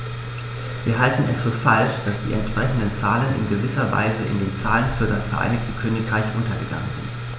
Wir halten es für falsch, dass die entsprechenden Zahlen in gewisser Weise in den Zahlen für das Vereinigte Königreich untergegangen sind.